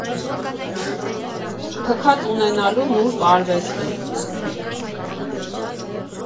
ԹՔԱԾ ՈՒՆԵՆԱԼՈՒ ՆՈՒՐԲ ԱՐՎԵՍՏԸ։